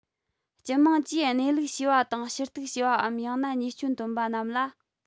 སྤྱི དམངས ཀྱིས གནས ལུགས ཞུས པ དང ཞུ གཏུག བྱས པའམ ཡང ན ཉེས སྐྱོན བཏོན པ རྣམས ལ